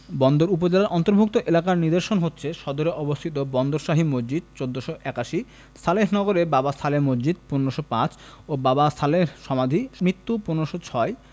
বন্দর উপজেলার অন্তর্ভুক্ত এলাকার নিদর্শন হচ্ছে সদরে অবস্থিত বন্দর শাহী মসজিদ ১৪৮১ সালেহ নগরে বাবা সালেহ মসজিদ ১৫০৫ ও বাবা সালেহর সমাধি মৃত্যু ১৫০৬